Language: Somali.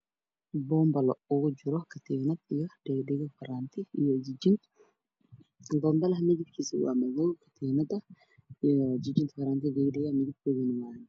Waa boonbale midabkiisu yahay buluug waxaa suran katin midabkiisu yahay dahabi